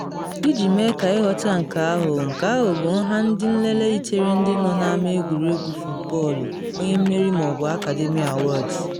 Iji mee ka ịghọta nke ahụ, nke ahụ bụ nha ndị nlele yitere ndị nọ n’ama egwuregwu futbọọlụ onye mmeri ma ọ bụ Academy Awards.